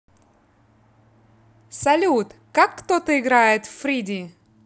салют как кто то играет в freddie